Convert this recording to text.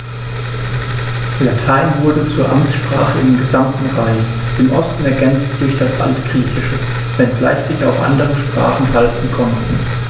Latein wurde zur Amtssprache im gesamten Reich (im Osten ergänzt durch das Altgriechische), wenngleich sich auch andere Sprachen halten konnten.